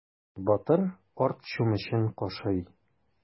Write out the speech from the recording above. Батыр арт чүмечен кашый.